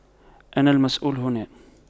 أنا المسؤول هنا